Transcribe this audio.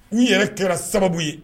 U yɛrɛ kɛra sababu ye